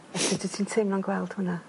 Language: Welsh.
Felly sut ti'n teimlo'n gweld hwnna?